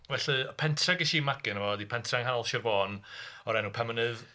Felly, y pentre ges i'n magu yno fo ydi pentre yng nghanol Sir Fôn o'r enw Penmynydd...